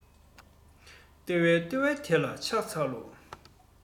ལྟེ བའི ལྟེ བ དེ ལ ཕྱག འཚལ ལོ